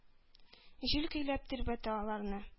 Җил көйләп тирбәтә аларны,